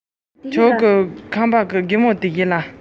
ཁམས ཕྱོགས ན སྐྱེས པའི ཞི མི ཞིག ཡིན